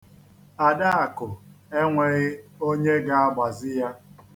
Adaakụ enweghị onye ga-agbazi ya.